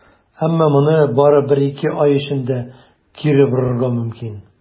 Әмма моны бары бер-ике ай эчендә кире борырга мөмкин.